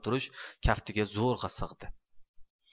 xamirturush kaftiga zo'rg'a sig'di